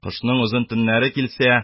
Кышның озын төннәре килсә,